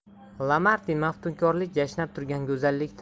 lamartin maftunkorlik yashnab turgan go'zallikdir